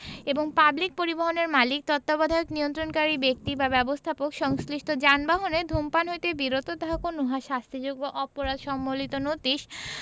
এবং পাবলিক পরিবহণের মালিক তত্ত্বাবধায়ক নিয়ন্ত্রণকারী ব্যক্তি বা ব্যবস্থাপক সংশ্লিষ্ট যানবাহনে ধূমপান হইতে বিরত থাকুন উহা শাস্তিযোগ্য অপরাধ সম্বলিত নোটিশ